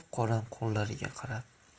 qora qo'llariga qarab